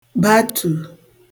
batù